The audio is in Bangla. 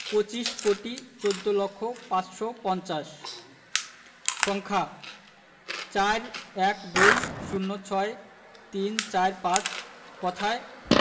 পঁচিশ কোটি চৌদ্দ লক্ষ পাঁচশো পঞ্চাশ সংখ্যাঃ ৪ ১২ ০৬ ৩৪৫ কথায়ঃ